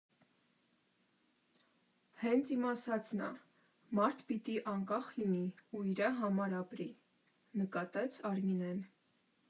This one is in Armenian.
Հենց իմ ասածն ա՝ մարդ պիտի անկախ լինի ու իրա համար ապրի, ֊ նկատեց Արմինեն։